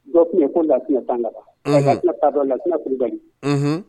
Dɔ tun ye ko lafisya tan la taa dɔn lafiina kurubali